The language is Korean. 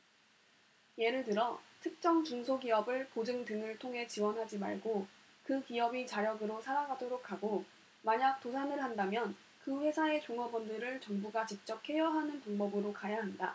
예를 들어 특정 중소기업을 보증 등을 통해 지원하지 말고 그 기업이 자력으로 살아가도록 하고 만약 도산을 한다면 그 회사의 종업원들을 정부가 직접 케어하는 방법으로 가야 한다